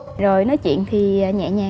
rồi nói chuyện thì nhẹ nhàng